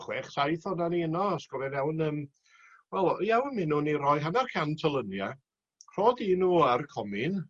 chwech saith o'na ni yno os gofio'n iawn yym wel iawn mi newn ni roi hanner cant o lynia rho di n'w a'r comin